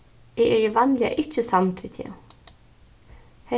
eg eri vanliga ikki samd við teg